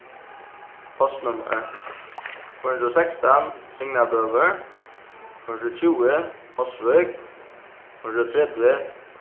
postnummur fýra hundrað og sekstan signabøur fýra hundrað og tjúgu hósvík fýra hundrað og tretivu